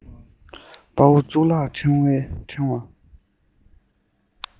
དཔའ བོ གཙུག ལག ཕྲེང བ